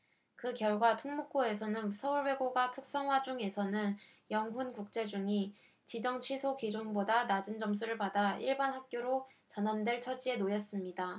그 결과 특목고에서는 서울외고가 특성화중에서는 영훈국제중이 지정취소 기준보다 낮은 점수를 받아 일반학교로 전환될 처지에 놓였습니다